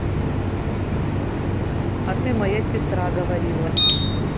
а ты моя сестра говорила